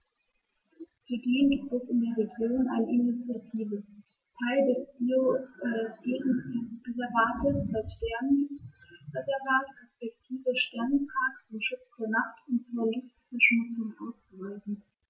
Zudem gibt es in der Region eine Initiative, Teile des Biosphärenreservats als Sternenlicht-Reservat respektive Sternenpark zum Schutz der Nacht und vor Lichtverschmutzung auszuweisen.